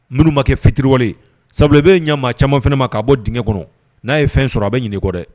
Minnu ma kɛ fitiriwale sabula bɛ ɲɛmaa caman fana ma k'a bɔ d kɔnɔ n'a ye fɛn sɔrɔ a bɛ ɲini kɔ dɛ